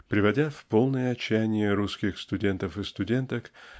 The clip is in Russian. приводя в полное отчаяние русских студентов и студенток